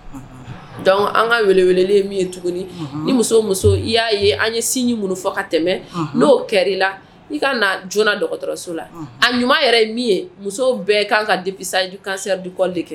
An ka tuguni an sin mun fɔ ka tɛmɛ j dɔgɔtɔrɔso la a ɲuman ye ye bɛɛ kasa kan kɛ